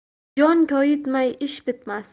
jon koyitmay ish bitmas